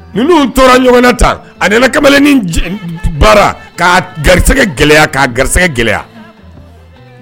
Ninnu tora ɲɔgɔnna ta a nana kamalennin baraa garigɛ gɛlɛya'a garigɛ gɛlɛya